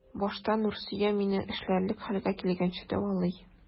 Башта Нурсөя мине эшләрлек хәлгә килгәнче дәвалый.